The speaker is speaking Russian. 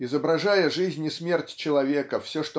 изображая жизнь и смерть человека все